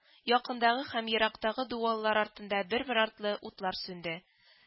Якындагы һәм ерактагы дуваллар артында бер-бер артлы утлар сүнде